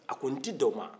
a ko n tɛ dan o ma